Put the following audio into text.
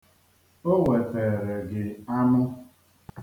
O weteere gị anụ.